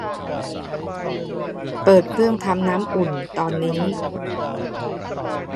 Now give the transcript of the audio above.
เปิดเครื่องทำน้ำอุ่นตอนนี้